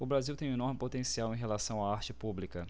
o brasil tem um enorme potencial em relação à arte pública